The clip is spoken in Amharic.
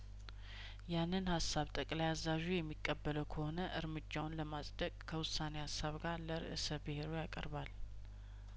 ያንን ሀሳብ ጠቅላይ አዛዡ የሚቀበለው ከሆነ እርምጃውን ለማጽደቅ ከውሳኔ ሀሳብ ጋር ለርእሰ ብሄሩ ያቀርባል